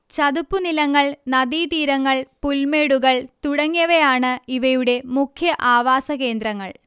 ചതുപ്പുനിലങ്ങൾ നദീതീരങ്ങൾ പുൽമേടുകൾ തുടങ്ങിയവയാണ് ഇവയുടെ മുഖ്യ ആവാസകേന്ദ്രങ്ങൾ